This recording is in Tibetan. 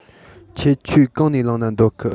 ཁྱེད ཆོས གང ནས བླངས ན འདོད གི